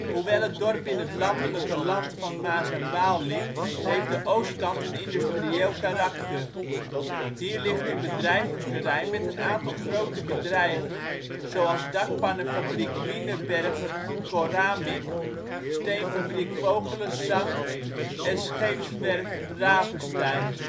Hoewel het dorp in het landelijke Land van Maas en Waal ligt heeft de oostkant een industrieel karakter. Hier ligt een bedrijventerrein met een aantal grote bedrijven, zoals dakpannenfabriek Wienerberger Koramic, steenfabriek Vogelensangh en scheepswerf Ravestein